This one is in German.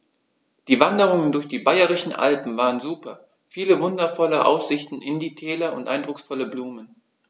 Die Wanderungen durch die Bayerischen Alpen waren super. Viele wundervolle Aussichten in die Täler und eindrucksvolle Blumen.